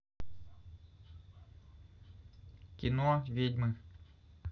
кино ведьмы